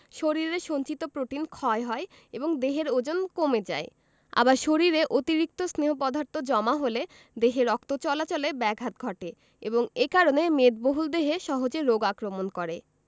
শরীরের সঞ্চিত প্রোটিন ক্ষয় হয় এবং দেহের ওজন কমে যায় আবার শরীরে অতিরিক্ত স্নেহ পদার্থ জমা হলে দেহে রক্ত চলাচলে ব্যাঘাত ঘটে এবং এ কারণে মেদবহুল দেহে সহজে রোগ আক্রমণ করে